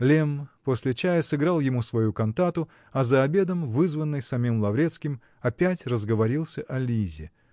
Лемм после чая сыграл ему свою кантату, а за обедом, вызванный самим Лаврецким, опять разговорился о Лизе.